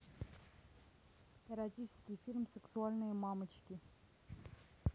эротический фильм сексуальные мамочки